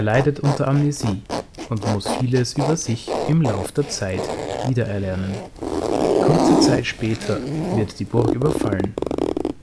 leidet unter Amnesie und muss vieles über sich im Laufe der Zeit wiedererlernen. Kurze Zeit später wird die Burg überfallen.